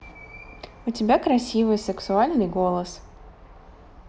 у тебя красивый сексуальный голос